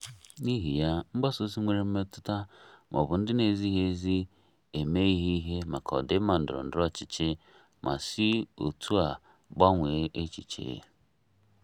N'ihi ya, mgbasa ozi nwere metụta ma ọ bụ ndị na-ezighi ezi eme ihe ihe maka ọdịmma ndọrọ ndọrọ ọchịchị ma si otú a gbanwee echiche.